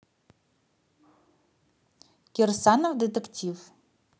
кирсанов детектив